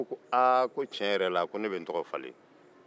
e ko ko tiɲɛ yɛrɛ la ne bɛ n tɔgɔ falen